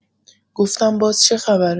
گفتم باز چه خبره؟